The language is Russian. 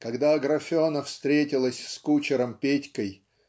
Когда Аграфена встретилась с кучером Петькой